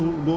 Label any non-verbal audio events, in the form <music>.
<hesitation> <hesitation>